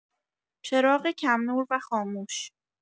چراغ کم‌نور و خاموش